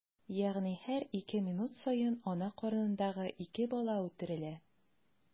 Ягъни һәр ике минут саен ана карынындагы ике бала үтерелә.